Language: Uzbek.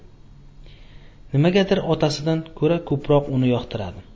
nimagadir otasidan ko'ra ko'proq uni yoqtiradi